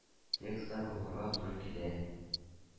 Текстлар укырга туры килә.